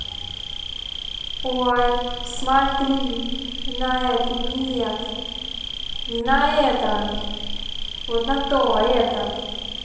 ой посмотри на это нет не на это это она то это